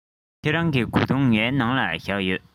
ཁྱེད རང གི གོས ཐུང ངའི ནང ལ བཞག ཡོད